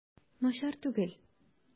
Начар түгел.